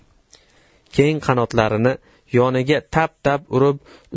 keng qanotlarini yoniga tap tap urib